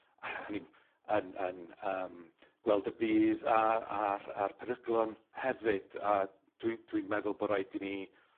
hynny yw, yn yn yym gweld y budd a a'r a'r peryglon hefyd, a dwi dwi'n meddwl bo' raid i ni